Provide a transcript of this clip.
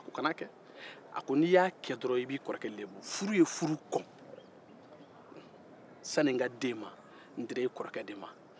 a ko kana a kɛ n'i y'a kɛ dɔrɔn i b'i kɔrɔkɛ lebu furu ye furu kɔn sani n ka di e ma n dira e kɔrɔkɛ de ma